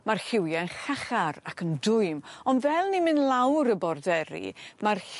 ma'r lliwie'n llachar ac yn dwym. Ond fel ni'n myn' lawr y borderi ma'r